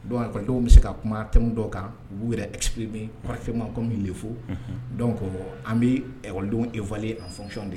Donc école denw be se ka kuma thème dɔw kan u b'u yɛrɛ exprimer correctement comme il le faut unhun donc an mee école denw évaluer en fonction de